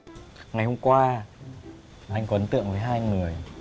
ngày hôm qua anh có ấn tượng với hai người